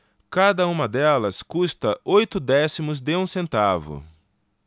cada uma delas custa oito décimos de um centavo